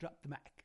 Drop the mic.